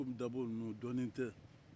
komi dabɔ ninnu dɔnnen tɛ